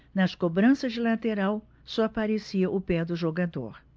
nas cobranças de lateral só aparecia o pé do jogador